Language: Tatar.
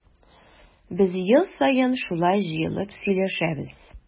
Без ел саен шулай җыелып сөйләшәбез.